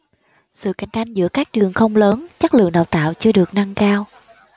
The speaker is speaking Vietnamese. sự cạnh tranh giữa các trường không lớn chất lượng đào tạo chưa được nâng cao